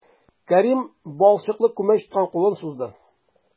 Кәрим балчыклы күмәч тоткан кулын сузды.